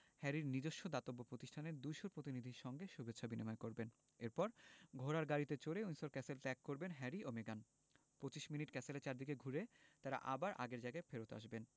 হ্যারির নিজস্ব দাতব্য প্রতিষ্ঠানের ২০০ প্রতিনিধির সঙ্গে শুভেচ্ছা বিনিময় করবেন এরপর ঘোড়ার গাড়িতে চড়ে উইন্ডসর ক্যাসেল ত্যাগ করবেন হ্যারি ও মেগান ২৫ মিনিটে ক্যাসেলের চারদিক ঘুরে তাঁরা আবার আগের জায়গায় ফেরত আসবেন